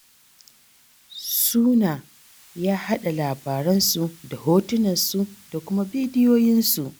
Suna yaɗa labaransu da hotunansu da kuma bidiyoyinsu.